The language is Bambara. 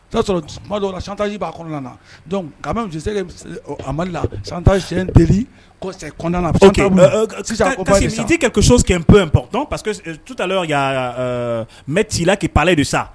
O y' sɔrɔ san tansi' kɔnɔna nase amadu la san tan sɛ que que sitiso kɛmɛp pa que mɛ t'i laki pale de sa